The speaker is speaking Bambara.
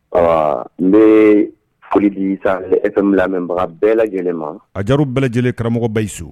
Ayiwa n ne foli di sanpme mɛbaga bɛɛ lajɛlen ma adi bɛɛ lajɛlen karamɔgɔbayi so